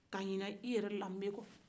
ka ɲina i yɛrɛ lambe kɔ